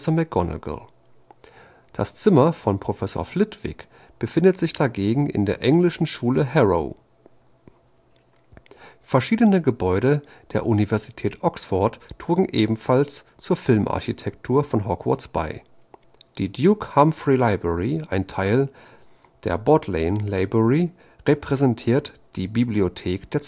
McGonagall. Das Zimmer von Professor Flitwick befindet sich dagegen in der englischen Schule Harrow. Verschiedene Gebäude der Universität Oxford trugen ebenfalls zur Filmarchitektur von Hogwarts bei: Die Duke Humfrey’ s Library, ein Teil der Bodleian Library, repräsentiert die Bibliothek der